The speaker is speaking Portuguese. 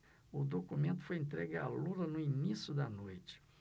o documento foi entregue a lula no início da noite